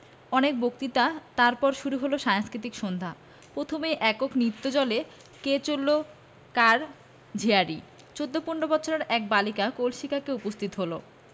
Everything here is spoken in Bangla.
অনেক বক্তৃতা তার পর শুরু হল সাংস্কৃতিক সন্ধ্যা প্রথমেই একক নৃত্যজলে কে চলেলো কার ঝিয়ারি চৌদ্দ পনেরো বছরের এক বালিকা কলসি কাঁখে উপস্থিত হল